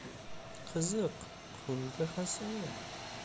qiziq qo'lida hassa yo'q